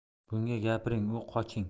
bunga gapiring u qoching